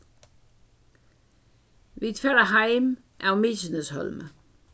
vit fara heim av mykineshólmi